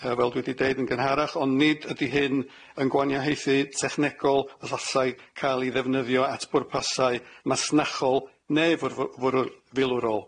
Yy fel dwi 'di deud yn gynharach ond nid ydi hyn yn gwaniaheuthu technegol allasai ca'l 'i ddefnyddio at bwrpasau masnachol ne fwr- fwrw- filwrol.